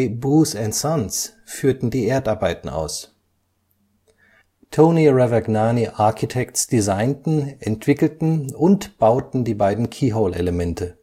Boos & Sons führten die Erdarbeiten aus. Tony Ravagnani Architects designten, entwickelten und bauten die beiden Keyhole-Elemente